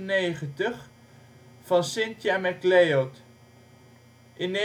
1996) van Cynthia Mc Leod. In